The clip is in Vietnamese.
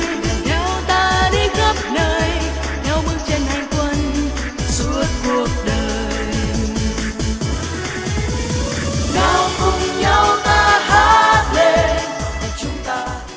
theo ta đi khắp nơi theo bước chân hành quân suốt cuộc đời nào cùng nhau ta hát lên chúng ta